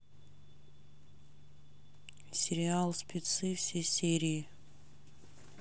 сериал спецы все серии